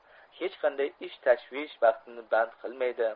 hech qanday ish tashvish vaqtimni band qilmaydi